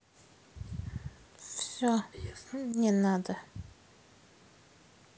все не надо